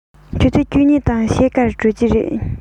ཆུ ཚོད བཅུ གཉིས དང ཕྱེད ཀར གྲོལ གྱི རེད